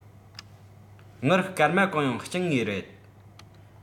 དངུལ སྐར མ གང ཡང སྦྱིན ངེས རེད